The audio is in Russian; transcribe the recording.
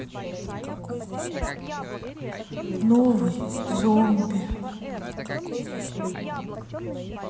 новый зомби